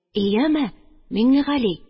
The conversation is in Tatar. Әйеме, Миңнегали?